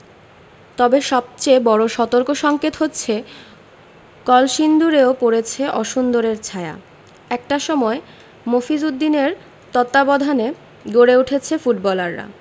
তবে সবচেয়ে বড় সতর্কসংকেত হচ্ছে কলসিন্দুরেও পড়েছে অসুন্দরের ছায়া একটা সময় মফিজ উদ্দিনের তত্ত্বাবধানেই গড়ে উঠেছে ফুটবলাররা